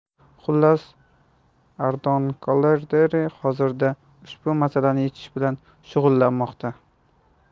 xullas adron kollayderi hozirda ushbu masalani yechish bilan shug'ullanmoqda